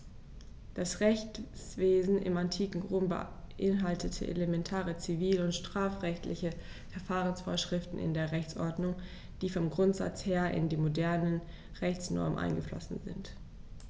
Das Rechtswesen im antiken Rom beinhaltete elementare zivil- und strafrechtliche Verfahrensvorschriften in der Rechtsordnung, die vom Grundsatz her in die modernen Rechtsnormen eingeflossen sind.